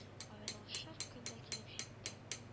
Аерылышыр көннәр дә килеп җитте